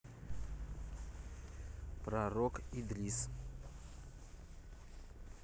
пророк идрис